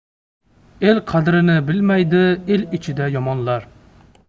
el qadrini bilmaydi el ichida yomonlar